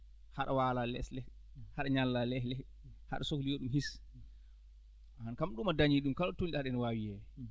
haɗa waala lees ɗe haɗa ñalla leesɗe aɗa sohli yo ɗum hiis aan kam ɗum a dañii ɗum kala ɗo tolni ɗaa haɗen waawi yiiye